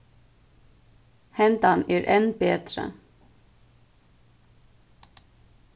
hendan er enn betri